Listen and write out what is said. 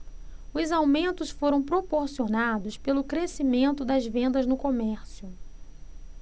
os aumentos foram proporcionados pelo crescimento das vendas no comércio